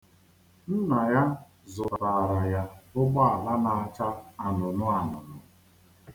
Nna ya zụtaara ya ụgbọala na-acha anụnụanụnụ.